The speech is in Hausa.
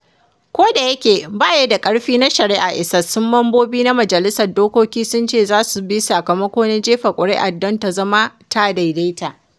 Kodayake ba ya da ƙarfi na shari’a, isassun mambobi na majalisar dokoki sun ce za su bi sakamako na jefa kuri’ar don ta zama ta daidaita.